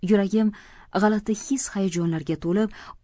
yuragim g'alati his hayajonlarga to'lib